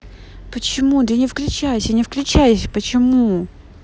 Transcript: почему ты не включайся не включайся почему